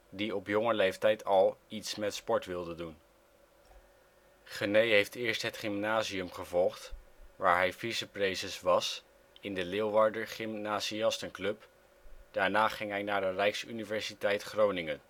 die op jonge leeftijd al ' iets met sport ' wilde doen. Genee heeft eerst het gymnasium gevolgd, waar hij vicepraeses was in de Leeuwarder Gymnasiasten Club, daarna ging hij naar de Rijksuniversiteit Groningen